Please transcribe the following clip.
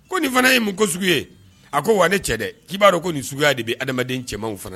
Ko nin fana ye mun ko sugu ye a ko wa ne cɛ dɛ k'i'a dɔn ko nin suguya de bɛ adamaden cɛmanw fana